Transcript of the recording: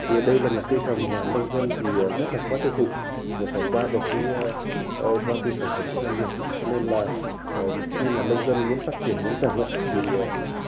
thì đây là một cây trồng và nông dân thì rất là khó tiêu thụ mà phải qua được cái bao tiêu sản phẩm của doanh nghiệp cho nên là khi mà nông dân muốn phát triển muốn trồng ý thì